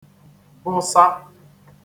bụsa